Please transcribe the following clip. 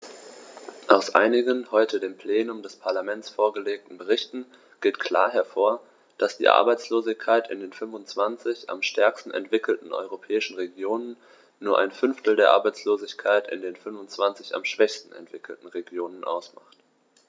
Aus einigen heute dem Plenum des Parlaments vorgelegten Berichten geht klar hervor, dass die Arbeitslosigkeit in den 25 am stärksten entwickelten europäischen Regionen nur ein Fünftel der Arbeitslosigkeit in den 25 am schwächsten entwickelten Regionen ausmacht.